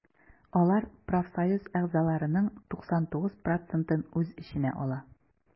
Алар профсоюз әгъзаларының 99 процентын үз эченә ала.